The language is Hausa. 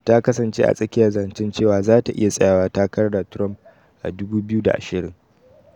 Ta kasance a tsakiyar zancen cewa zata iya tsayawa takara da Trump a 2020.